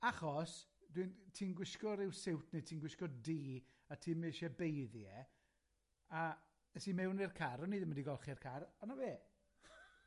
Achos, dwi'n ti'n gwisgo ryw siwt ne' ti'n gwisgo du a ti'm isie beiddi e, a es i mewn i'r car, o'n i ddim wedi golchi'r car, a 'na fe.